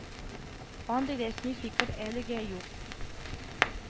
Андый рәсми фикер әлегә юк